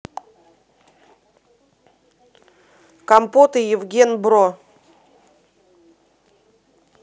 компот и евген бро